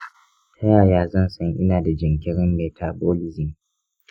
taya zan san ina da jinkirin metabolism?